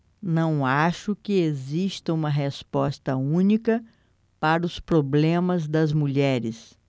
não acho que exista uma resposta única para os problemas das mulheres